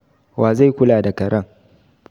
Wa zai kula da karen?